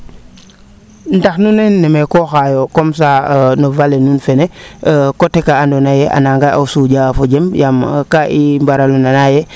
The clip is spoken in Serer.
ndax nue nemeku xo'ayo comme ca no vallée nuun fene coté kaa ando naye a naanga o suƴa yo fojem yaam kaa i mbaralo nana yee